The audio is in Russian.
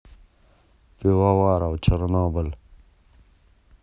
пивоваров чернобыль